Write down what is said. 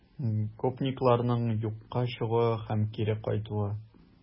Гопникларның юкка чыгуы һәм кире кайтуы